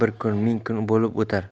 bir kuni ming kun bo'lib o'tar